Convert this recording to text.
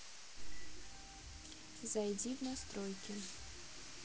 зайди в настройки